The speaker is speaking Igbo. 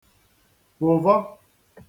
wụ̀vọ